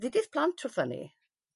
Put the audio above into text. Dedith plant wrtha ni.